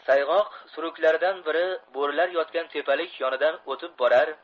sayg'oq sumklaridan biri bo'rilar yotgan tepalik yonidan o'tib borar